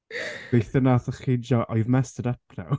Gobeithio wneathoch chi joi- Oh you've messed it up now.